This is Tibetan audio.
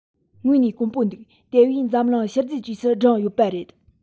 དངོས གནས དཀོན པོ འདུག དེ བས འཛམ གླིང ཤུལ རྫས གྲས སུ བསྒྲེངས ཡོད པ རེད